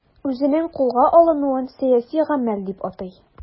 Үзенең кулга алынуын сәяси гамәл дип атый.